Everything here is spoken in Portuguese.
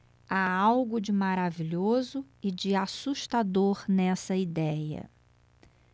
há algo de maravilhoso e de assustador nessa idéia